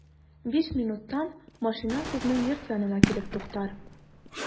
Биш минуттан машина сезнең йорт янына килеп туктар.